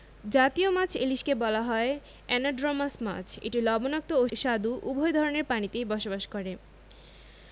জতীয় মাছ ইলিশকে বলা হয় অ্যানাড্রোমাস মাছ এটি লবণাক্ত ও স্বাদু উভয় ধরনের পানিতেই বসবাস করে